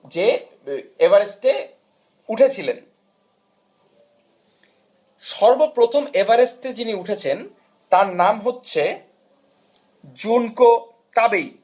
যে এভারেস্টে উঠেছিলেন সর্বপ্রথম এভারেষ্টে যে উঠেছেন তার নাম হচ্ছে জুনকো তাবেই